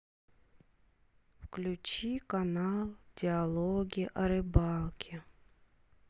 включи канал диалоги о рыбалке